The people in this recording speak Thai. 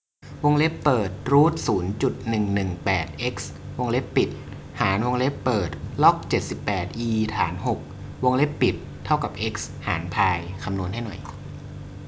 วงเล็บเปิดรูทศูนย์จุดหนึ่งหนึ่งแปดเอ็กซ์วงเล็บปิดหารวงเล็บเปิดล็อกเจ็ดสิบแปดอีฐานหกวงเล็บปิดเท่ากับเอ็กซ์หารพายคำนวณให้หน่อย